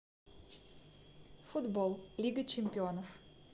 футбол лига чемпионов